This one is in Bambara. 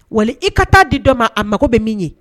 Wali i ka taa di dɔ ma a mago bɛ min ye.